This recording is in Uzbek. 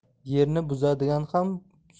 yerni buzadigan ham